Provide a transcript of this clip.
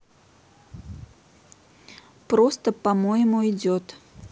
просто по моему идет